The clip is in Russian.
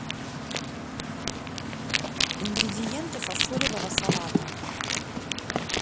ингредиенты фасолевого салата